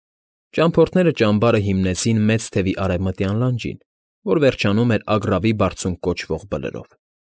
Ճամփորդները ճամբարը հիմնեցին մեծ թևի արևմտյան լանջին, որ վերջանում էր Ագռավի Բարձունք կոչվող բլրով։